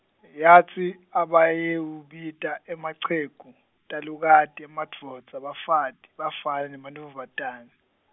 yatsi, abayewubita emachegu, talukati, emadvodza, bafati, bafana nemantfombatana.